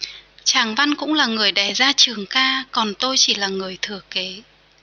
chàng văn cũng là người đẻ ra trường ca còn tôi chỉ là người thừa kế